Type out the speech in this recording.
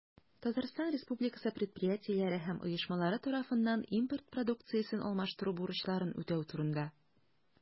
Татарстан Республикасы предприятиеләре һәм оешмалары тарафыннан импорт продукциясен алмаштыру бурычларын үтәү турында.